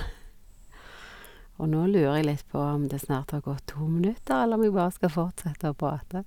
Og nå lurer jeg litt på om det snart har gått to minutter, eller om jeg bare skal fortsette å prate.